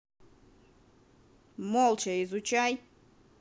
молча изучай